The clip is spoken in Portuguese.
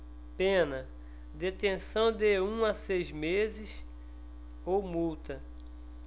pena detenção de um a seis meses ou multa